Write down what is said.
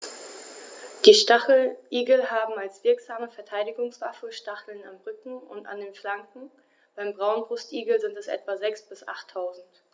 Die Stacheligel haben als wirksame Verteidigungswaffe Stacheln am Rücken und an den Flanken (beim Braunbrustigel sind es etwa sechs- bis achttausend).